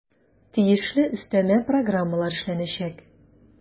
Тиешле өстәмә программалар эшләнәчәк.